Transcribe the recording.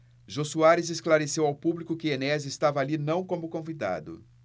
jô soares esclareceu ao público que enéas estava ali não como convidado